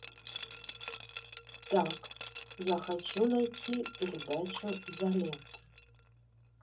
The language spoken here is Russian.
так я хочу найти передачу изолента